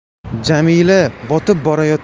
jamila botib borayotgan